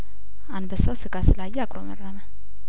አንበሳው ስጋ ስላ የአጉረመረመ